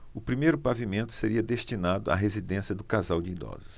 o primeiro pavimento seria destinado à residência do casal de idosos